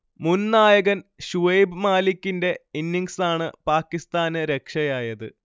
മുൻ നായകൻ ഷുഐബ് മാലിക്കിന്റെ ഇന്നിങ്സാണ് പാകിസ്താന് രക്ഷയായത്